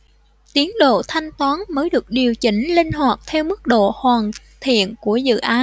tiến độ thanh toán mới được điều chỉnh linh hoạt theo mức độ hoàn thiện của dự án